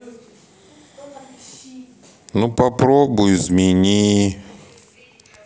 ну попробуй измени